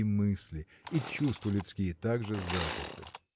и мысли и чувства людские также заперты.